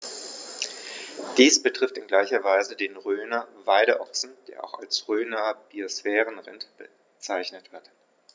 Dies betrifft in gleicher Weise den Rhöner Weideochsen, der auch als Rhöner Biosphärenrind bezeichnet wird.